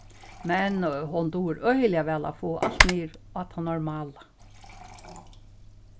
men hon dugir øgiliga væl at fáa alt niður á tað normala